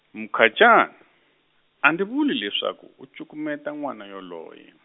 Mukhacani, a ndzi vuli leswaku u cukumeta n'wana yoloye.